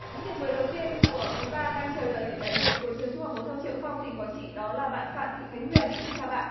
những điểm mười đầu tiên của quý ba đang chờ đợi đại diện của trường trung học phổ thông triệu phong tỉnh quảng trị đó là bạn phạm thị khánh huyền xin chào bạn